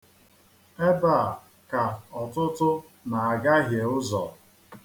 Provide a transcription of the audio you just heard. Ebe a ka ọtụtụ na-agahie ụzọ.